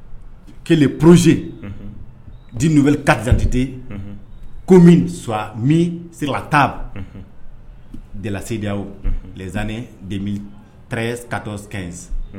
que le projet d'une nouvelle carte d'identité commune soit mis sur la table de la CEDEAO les années 2013, 1,4, 15